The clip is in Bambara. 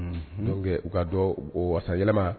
Dɔw u ka dɔn o asayma